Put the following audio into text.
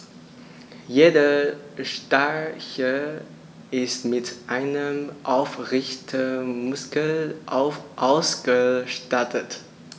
Jeder Stachel ist mit einem Aufrichtemuskel ausgestattet.